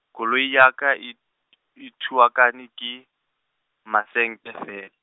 koloi ya ka e t-, e thuakane ke, masenke fee-.